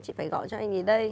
chị phải gọi cho anh ý đây